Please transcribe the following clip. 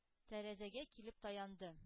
Тәрәзәгә килеп таянды,